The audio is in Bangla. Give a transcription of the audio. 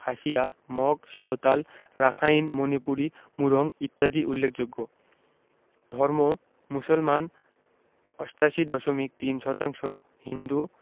খাসিয়া মগ সাঁওতাল রাখাইন মণিপুরী মুরং ইত্যাদি উল্লেখযোগ্য ধর্ম মুসলমান ৮৮দশমিক ৩ শতাংশ হিন্দু